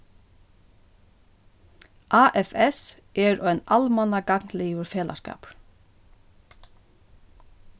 afs er ein almannagagnligur felagsskapur